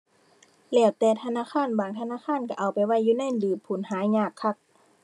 แล้วแต่ธนาคาร บางธนาคารก็เอาไปไว้อยู่ในหลืบพู้น หายากคัก